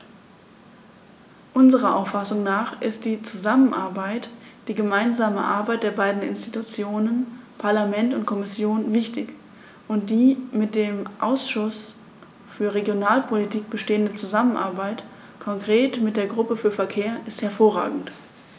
Unserer Auffassung nach ist die Zusammenarbeit, die gemeinsame Arbeit der beiden Institutionen - Parlament und Kommission - wichtig, und die mit dem Ausschuss für Regionalpolitik bestehende Zusammenarbeit, konkret mit der Gruppe für Verkehr, ist hervorragend.